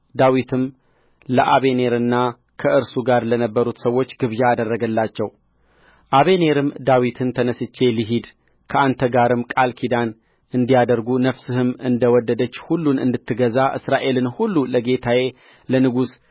ዳዊትም ለአበኔርና ከእርሱ ጋር ለነበሩት ሰዎች ግብዣ አደረገላቸው አበኔርም ዳዊትን ተነሥቼ ልሂድ ከአንተ ጋርም ቃል ኪዳን እንዲያደርጉ ነፍስህም እንደ ወደደች ሁሉን እንድትገዛ እስራኤልን ሁሉ ለጌታዬ ለንጉሥ